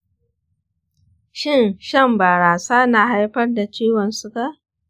shin shan barasa na haifar da ciwon suga?